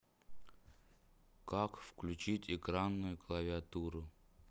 как включить экранную клавиатуру